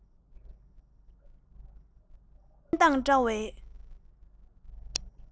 མཚན མདངས བཀྲ བའི